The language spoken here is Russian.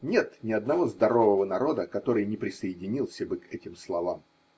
Нет ни одного здорового народа, который не присоединился бы к этим словам.